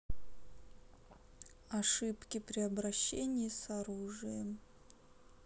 ошибки при обращении с оружием